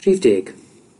Rhif deg.